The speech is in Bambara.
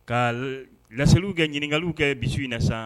Ka laeliliw kɛ ɲininkakaw kɛ misi in na sa